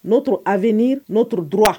Notre avenir, notre droit